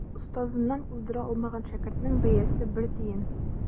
Остазыннан уздыра алмаган шәкертнең бәясе бер тиен.